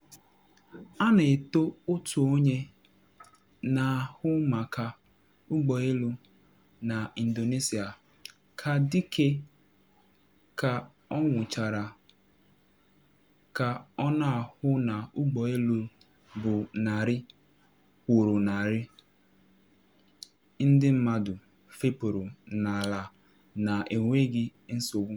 A na eto otu onye na ahụ maka ụgbọ elu na Indonesia ka dike ka ọ nwụchara ka ọ na ahụ na ụgbọ elu ibu narị kwụrụ narị ndị mmadụ fepụrụ n’ala na enweghị nsogbu.